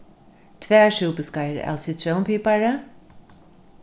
tvær súpiskeiðir av sitrónpipari